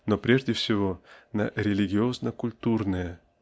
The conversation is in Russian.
но прежде всего па религиозно-культурные